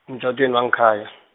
emtatweni wangekhaya .